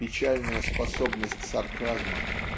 печальная способность сарказма.